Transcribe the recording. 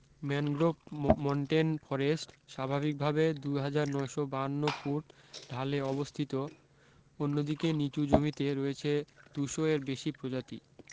mangrove montane forest স্বাভাবিকভাবে দু হাজার নশো বাহান্ন ফুট ঢালে অবস্থিত অন্যদিকে নীচু জমিতে রয়েছে দুশো এর বেশী প্রজাতি